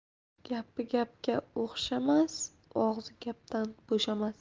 gapi gapga o'xshamas og'zi gapdan bo'shamas